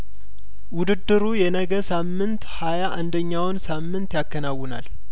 ውድድሩ የነገ ሳምንት ሀያአንደኛውን ሳምንት ያከና ውናል